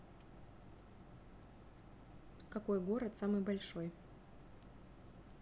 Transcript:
какой город самый большой